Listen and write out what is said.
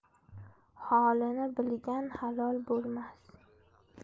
holini bilgan halok bo'lmas